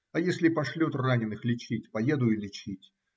А если пошлют раненых лечить, поеду и лечить.